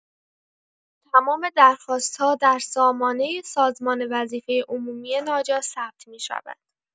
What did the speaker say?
تمام درخواست‌ها در سامانه سازمان وظیفه عمومی ناجا ثبت می‌شود.